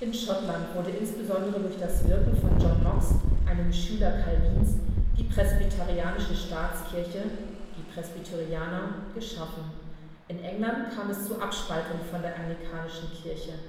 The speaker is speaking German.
Schottland wurde insbesondere durch das Wirken von John Knox, einem Schüler Calvins, die presbyterianische Staatskirche (Presbyterianer) geschaffen. In England kam es zu Abspaltungen von der anglikanischen Kirche